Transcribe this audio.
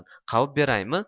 qavib beraymi